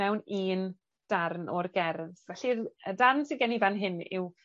mewn un darn o'r gerdd. Felly'r y darn sy gen i fan hyn yw